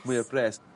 Mwy o bres.